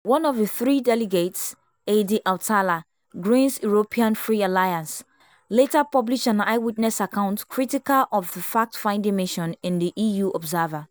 One of the three delegates, Heidi Hautala (Greens-European Free Alliance), later published an eyewitness account critical of the fact-finding mission in the EU Observer.